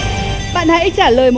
bạn hãy trả lời